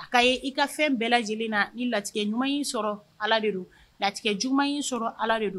A ka ye i ka fɛn bɛɛ lajɛlen na ni latigɛ ɲuman in sɔrɔ ala de don latigɛ juma in sɔrɔ ala de do